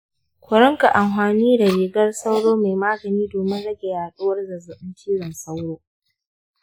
ku riƙa amfani da rigar sauro mai magani domin rage yaɗuwar zazzabin cizan sauro.